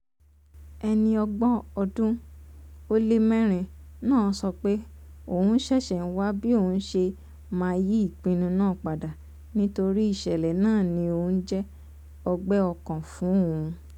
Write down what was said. ẹni ọgbọ̀n ọdún ó lé mẹ́rin náà sọ pé òun ṣẹṣẹ̀ ń wá bíòun ṣe máa yí ìpínnu náà padà ní nítorí ìṣẹ̀lẹ̀ náà ni ó ń jẹ́ ọgbẹ́ ọkàn fún òun.